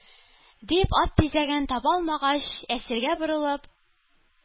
- дип, ат тизәген таба алмагач, әсиргә борылып,